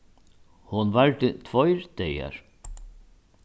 hon vardi tveir dagar